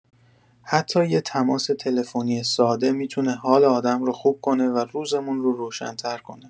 حتی یه تماس تلفنی ساده می‌تونه حال آدم رو خوب کنه و روزمون رو روشن‌تر کنه.